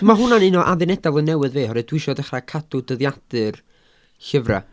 Ma' hwnna'n un o addunedau flwyddyn newydd fi oherwydd dwi isio dechrau cadw dyddiadur llyfrau.